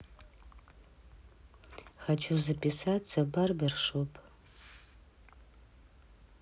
хочу записаться в барбер шоп